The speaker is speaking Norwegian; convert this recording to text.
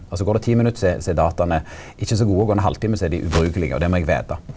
altså går det ti minutt så så er dataa ikkje så gode og går det ein halvtime så er dei ubrukelege og det må eg veta.